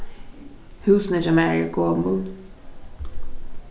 húsini hjá mær eru gomul